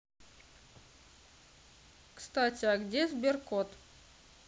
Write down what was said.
кстати а где сбер кот